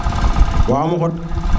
wa mo xot